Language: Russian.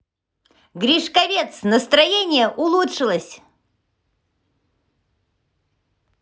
гришковец настроение улучшилось